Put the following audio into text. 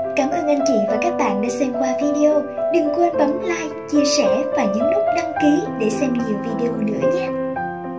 cảm ơn bạn đã xem qua video đừng quên bấm like chia sẻ và đăng ký để xem nhiều video nữa nhé